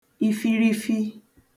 ifirifi